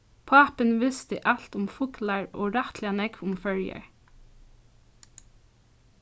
pápin visti alt um fuglar og rættiliga nógv um føroyar